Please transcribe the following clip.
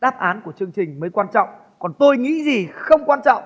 đáp án của chương trình mới quan trọng còn tôi nghĩ gì không quan trọng